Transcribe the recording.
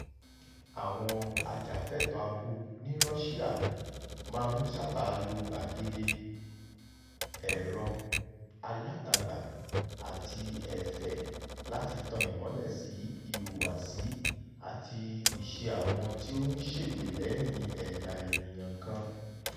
Àwọn ajàfẹ́tọ̀ọ́ abo ní Russia máa ń sábàá lo gbàgede ẹ̀rọ alátagbà àti ẹ̀fẹ̀ láti tan ìmọ́lẹ̀ sí ìhùwàsí àti ìṣe àwọn tí ó ń ṣègbè lẹ́yìn ẹ̀yà ènìyàn kan.